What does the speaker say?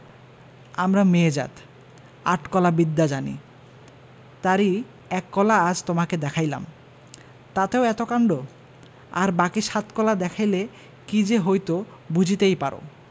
আমরা মেয়ে জাত আট কলা বিদ্যা জানি তার ই এক কলা আজ তোমাকে দেখাইলাম তাতেও এত কাণ্ড আর বাকী সাত কলা দেখাইলে কি যে হইত বুঝিতেই পার